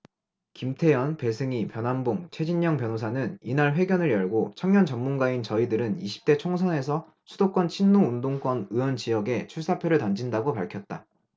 김태현 배승희 변환봉 최진녕 변호사는 이날 회견을 열고 청년 전문가인 저희들은 이십 대 총선에서 수도권 친노 운동권 의원 지역에 출사표를 던진다고 밝혔다